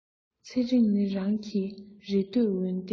ཚེ རིང ནི རང གི རེ འདོད འོན ཏེ